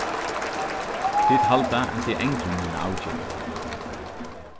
tit halda at eg angri mína avgerð